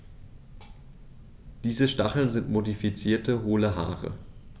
Diese Stacheln sind modifizierte, hohle Haare.